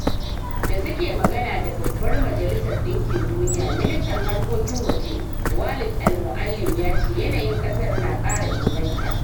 Da suke magana da Babbar Majalisar Dinki Duniya, ministan harkokin waje Walid al-Moualem yace yanayin kasar na kara inganta.